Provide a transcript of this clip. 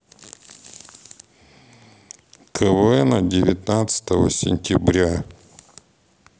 квн от девятнадцатого сентября